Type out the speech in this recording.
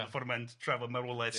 o'r ffordd mae'n trafod marwolaeth